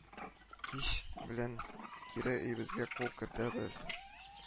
Кич белән кире өебезгә куып кертәбез